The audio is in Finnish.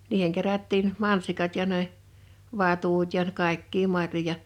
niihin kerättiin mansikat ja ne vatut ja kaikkia marjoja